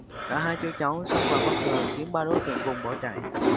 cả hai chú cháu xông vào bất ngờ khiến ba đối tượng vùng bỏ chạy